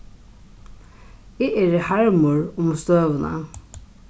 eg eri harmur um støðuna